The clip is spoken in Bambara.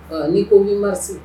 Ɔ n'i ko 8 mars